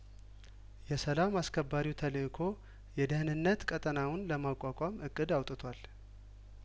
የሰላም አስከባሪው ተልእኮ የደህንነት ቀጠናውን ለማቋቋም እቅድ አውጥቷል